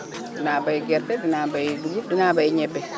dinaa bay gerte dinaa bay dugub dinaa bay ñebe